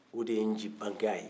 o de ye n'ci bange a ye